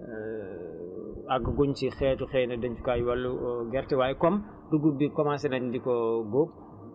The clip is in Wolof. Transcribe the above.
àggaguñ si xeetu xëy na dencukaay wàllu gerte waaye comme dugub bi commencé nañ di ko góob